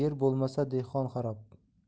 yer bo'lmasa dehqon xarob